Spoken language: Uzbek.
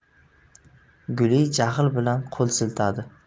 guli jahl bilan qo'l siltadi